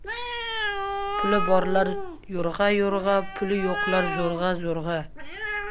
puli borlar yo'rg'a yo'rg'a pul yo'qlar zo'rg'a zo'rg'a